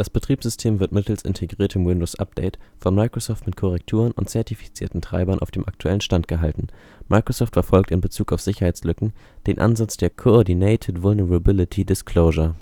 Betriebssystem wird mittels integriertem Windows Update von Microsoft mit Korrekturen und zertifizierten Treibern auf dem aktuellen Stand gehalten. Microsoft verfolgt in Bezug auf Sicherheitslücken den Ansatz der Coordinated Vulnerability Disclosure